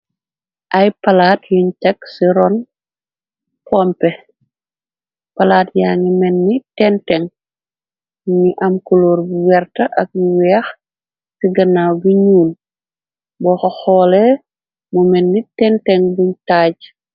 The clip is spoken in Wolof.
Ay palaat yuñ tag ci ron pompe. Palaat yaa ngi menni tenteng, nyungi am kulóor bu werta ak m weex ci ganaaw bi ñuum boxa xoole mu menni tenteng buñ taaj.